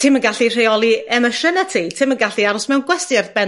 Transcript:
ti'm yn gallu rheoli emosyna ti, ti'm yn gallu aros mewn gwesty ar ben